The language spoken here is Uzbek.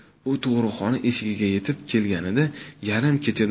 u tug'ruqxona eshigiga yetib kelganida yarim kechadan